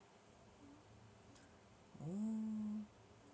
ууу